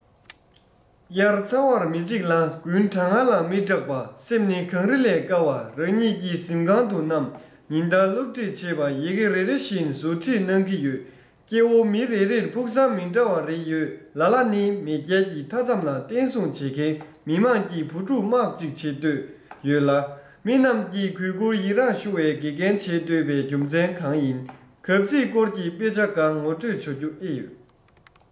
དབྱར ཚ བར མི འཇིགས ལ དགུན གྲང ངར ལ མི སྐྲག པ སེམས ནི གངས རི ལས དཀར བ རང ཉིད ཀྱི གཟིམ ཁང དུ བསྣམས ཉིན ལྟར སློབ ཁྲིད བྱེད པ ཡི གེ རེ རེ བཞིན ཟུར ཁྲིད གནང གི ཡོད སྐྱེ བོ མི རེ རེར ཕུགས བསམ མི འདྲ བ རེ ཡོད ལ ལ ནི མེས རྒྱལ གྱི མཐའ མཚམས ལ བརྟན སྲུང བྱེད མཁན མི དམངས ཀྱི བུ ཕྲུག དམག ཅིག བྱེད འདོད ཡོད ལ མི རྣམས ཀྱིས གུས བཀུར ཡིད རང ཞུ བའི དགེ རྒན བྱེད འདོད པའི རྒྱུ མཚན གང ཡིན གབ ཚིག སྐོར གྱི དཔེ ཆ འགའ ངོ སྤྲོད བྱ རྒྱུ ཨེ ཡོད